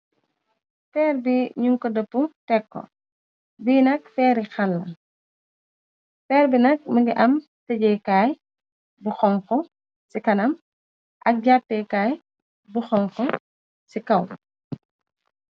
feer bi ñu ko dëpp tekko bi nak feeri xalla feer bi nak mëngi am tejeekaay bu xonxo ci kanam ak jàrtekaay bu xonko ci kaw